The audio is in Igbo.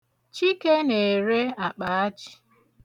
Chike na-ere akpa ajị.